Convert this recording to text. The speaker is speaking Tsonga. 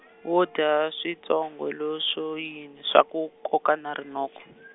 wo dya switshongo leswo yini swa ku koka na rinoko.